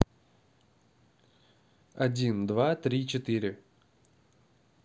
один два три четыре